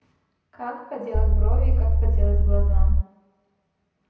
как подделать брови и как подделать глаза